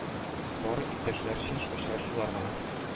Бары иптәшләрчә очрашулар гына